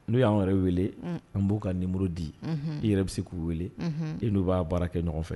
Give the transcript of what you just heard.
N'o y'an yɛrɛ wele an b'u ka ninmuru di i yɛrɛ bɛ se k'u wele i n'u b'a baara kɛ ɲɔgɔn fɛ